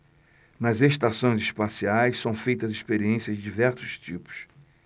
nas estações espaciais são feitas experiências de diversos tipos